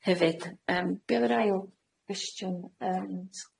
Hefyd yym, be' o'dd yr ail gwestiwn, yym?